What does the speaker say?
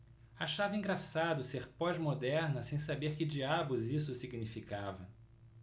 achava engraçado ser pós-moderna sem saber que diabos isso significava